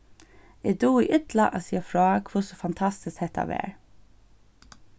eg dugi illa at siga frá hvussu fantastiskt hetta var